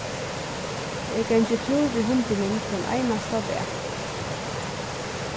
eg gangi túr við hundinum hvønn einasta dag